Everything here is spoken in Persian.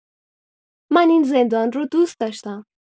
من این زندان رو دوست داشتم!